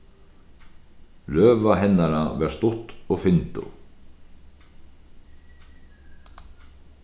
røða hennara var stutt og fyndug